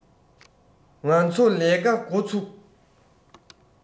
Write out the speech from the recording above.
ང ཚ ལས ཀ འགོ ཚུགས